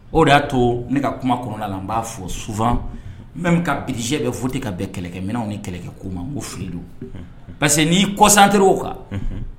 O de y'a to ne ka kuma kɔnɔna la n b'a fɔ souvent même ka budget dɔ voté ka bɛn kɛlɛkɛ minanw ni kɛlɛkɛ kow ma n kofli don, parce que n'i y'i concentré o kan Unhun.